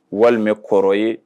Walima kɔrɔ ye